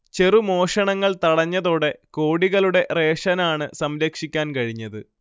ചെറുമോഷണങ്ങൾ തടഞ്ഞതോടെ കോടികളുടെ റേഷനാണ് സംരക്ഷിക്കാൻ കഴിഞ്ഞത്